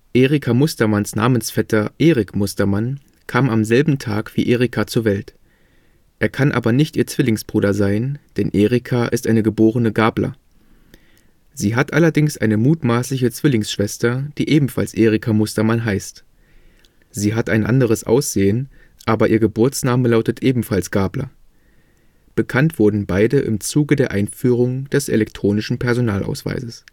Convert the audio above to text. Erika Mustermanns Namensvetter Erik Mustermann kam am selben Tag wie Erika zur Welt. Er kann aber nicht ihr Zwillingsbruder sein, denn Erika ist eine geborene Gabler. Sie hat allerdings eine mutmaßliche Zwillingsschwester, die ebenfalls Erika Mustermann heißt. Sie hat ein anderes Aussehen, aber ihr Geburtsname lautet ebenfalls Gabler. Bekannt wurden beide im Zuge der Einführung des elektronischen Personalausweises